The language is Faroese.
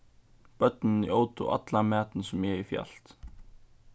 børnini ótu allan matin sum eg hevði fjalt